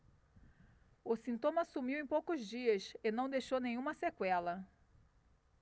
o sintoma sumiu em poucos dias e não deixou nenhuma sequela